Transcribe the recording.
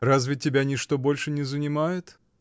Разве тебя ничто больше не занимает?